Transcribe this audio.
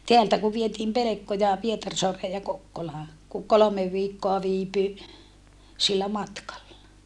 täältä kun vietiin pelkkoja Pietarsaareen ja Kokkolaan kun kolme viikkoa viipyi sillä matkalla